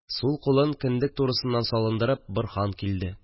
Сул кулын кендек турысыннан салындырып Борһан килде